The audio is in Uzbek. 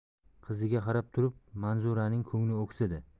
qiziga qarab turib manzuraning ko'ngli o'ksidi